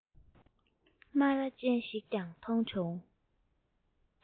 སྨ ར ཅན ཞིག ཀྱང ཐོན བྱུང